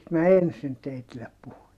minä ensin teille puhun